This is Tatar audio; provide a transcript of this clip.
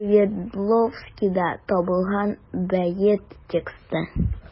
Свердловскида табылган бәет тексты.